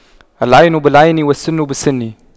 العين بالعين والسن بالسن